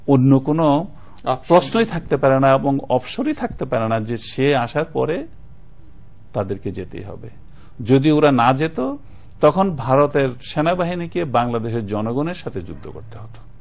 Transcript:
অন্য কোন প্রশ্নই থাকতে পারে না এবং অপশনই থাকতে পারে না যে সে আসার পরে তাদেরকে যেতে হবে যদি ওরা না যেত তখন ভারতের সেনাবাহিনীকে বাংলাদেশের জনগণের সাথে যুদ্ধ করতে হতো